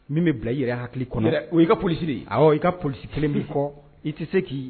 Min bɛ bila i yɛrɛ hakili kɔnɔ i ka polisiri aw i ka p kelen bi kɔ i tɛ se k'i